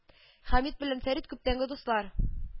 Хәмит белән Фәрит күптәнге дуслар